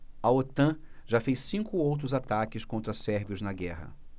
a otan já fez cinco outros ataques contra sérvios na guerra